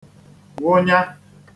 wụnyā